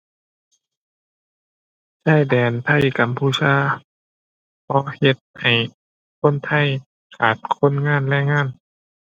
ชายแดนไทย กัมพูชา เพราะว่าเฮ็ดให้คนไทยขาดคนงาน แรงงาน